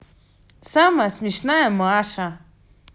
самая смешная маша